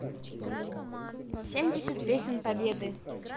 семьдесят песен победы